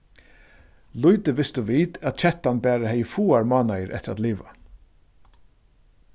lítið vistu vit at kettan bara hevði fáar mánaðir eftir at liva